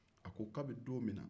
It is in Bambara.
kabini don minna